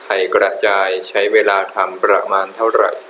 ไข่กระจายใช้เวลาทำประมาณเท่าไหร่